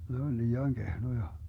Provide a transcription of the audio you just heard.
ne on liian kehnoja